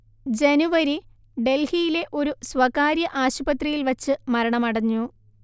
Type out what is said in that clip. ജനുവരി ഡൽഹിയിലെ ഒരു സ്വകാര്യ ആശുപത്രിയിൽ വച്ച് മരണമടഞ്ഞു